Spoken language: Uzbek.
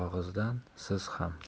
og'izdan siz ham